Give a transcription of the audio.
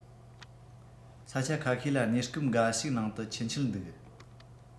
ས ཆ ཁ ཤས ལ གནས སྐབས འགའ ཞིག ནང དུ ཆུ འཁྱིལ འདུག